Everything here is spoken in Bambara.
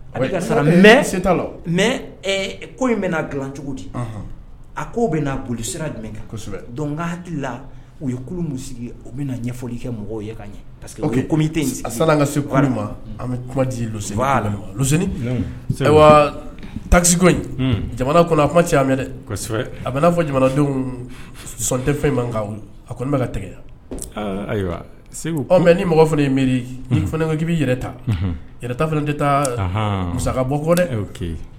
A mɛ la mɛ ko in bɛnaa dila cogo di a ko bɛ'a boli sira jumɛn kosɛbɛ don u ye kulu sigi u bɛna ɲɛfɔli kɛ mɔgɔw ye ka ɲɛ a ka segu an bɛ kuma di ni sewa takisiko in jamana kɔnɔ a kuma cɛ an a bɛa fɔ jamanadenw tɛ fɛn man a kɔni bɛka ka tɛgɛya ayiwa segu mɛ ni mɔgɔ fana ye miiri fana k'i bɛ yɛrɛ ta yɛrɛta fana tɛ taa musa bɔ kɔnɛ